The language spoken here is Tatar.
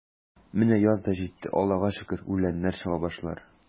Менә яз да житте, Аллага шөкер, үләннәр чыга башлар.